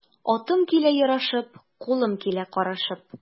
Атым килә ярашып, кулым килә карышып.